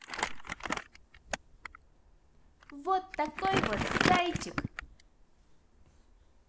вот такой вот зайчик